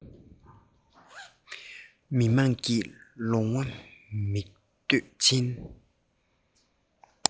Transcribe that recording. མི དམངས ཀྱིས ལོང བ མིག འདོད ཅན